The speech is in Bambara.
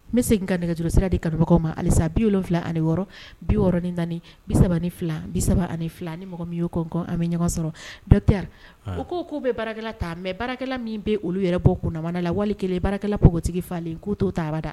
N bɛ se ka nɛgɛurusira de kabagaw ma alisa bil wolonwula ani wɔɔrɔ biɔrɔn ni bisa ni fila bi3 ani ni mɔgɔ min y' an bɛ ɲɔgɔn sɔrɔ dɔtɛ u ko k'u bɛ baarakɛla ta baarakɛla min bɛ olu yɛrɛ bɔ kunnamana la wali baarakɛla npogotigi falenlen k'u t'o taba da